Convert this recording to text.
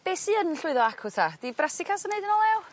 Be' sy yn llwyddo acw 'ta? 'Di brassicas yn neud yn o lew?